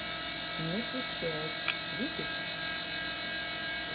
не отвечает видишь